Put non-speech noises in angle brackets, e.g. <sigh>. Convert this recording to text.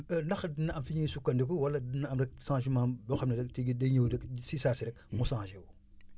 ndax dina am fu ñuy sukkandiku wala dina am rekk changement boo <noise> xam ne da nga siy day ñëw rek si saa si rek mu changé wu